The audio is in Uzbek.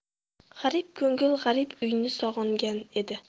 g'arib ko'ngil g'arib uyni sog'ingan edi